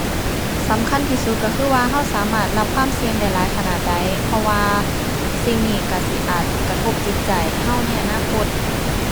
สำคัญที่สุดก็คือว่าก็สามารถรับความเสี่ยงได้หลายขนาดใด เพราะว่าสิ่งนี้ก็สิอาจกระทบจิตใจก็ในอนาคต